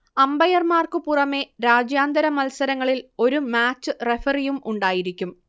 അമ്പയർമാർക്കു പുറമേ രാജ്യാന്തര മത്സരങ്ങളിൽ ഒരു മാച്ച് റഫറിയും ഉണ്ടായിരിക്കും